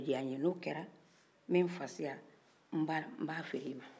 n'o kɛra n bɛ n fasiya n b'a feere i ma